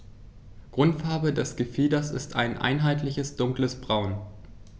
Grundfarbe des Gefieders ist ein einheitliches dunkles Braun.